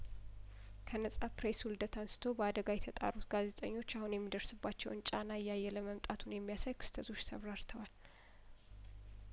ከነጻው ፕሬስ ውልደት አንስቶ በአደጋ የታጠሩት ጋዜጠኞች አሁን የሚደርስባቸውን ጫና እያየለ መምጣቱን የሚያሳይ ክስተቶች ተበራክተዋል